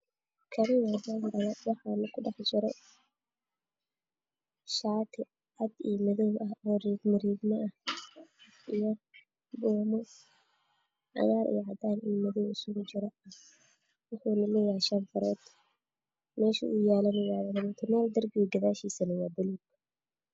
Kareem iyo alaabo kala duwan midabkodu oranji iyo cagaar yahay